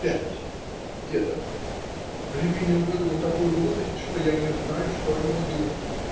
Пятая ДЕДОВ. Рябинин выдумал такую глупость, что я не знаю, что о нем и думать.